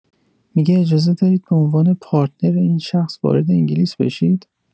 می‌گه اجازه دارید به عنوان پارتنر این شخص وارد انگلیس بشید؟